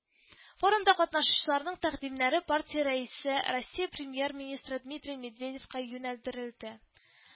Форумда катнашучыларның тәкъдимнәре партия рәисе, Россия Премьер-министры Дмитрий Медведевка юнәлдерелде